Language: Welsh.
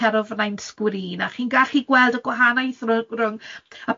cer o flaen sgrin, a chi'n gallu gweld y gwahaneth rw- rhwng